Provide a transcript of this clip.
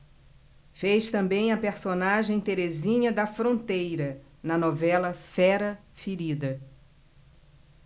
fez também a personagem terezinha da fronteira na novela fera ferida